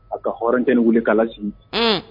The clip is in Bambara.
A ka hɔrɔn ni wili kala sigi